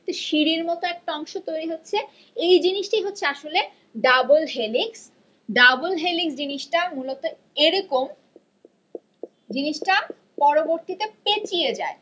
সিঁড়ির মত একটা অংশ তৈরি হয়েছে এই জিনিসটাই হচ্ছে আসলে ডাবল হেলিক্স ডাবল হেলিক্স জিনিসটা জিনিসটা পরবর্তীতে পেঁচিয়ে যায়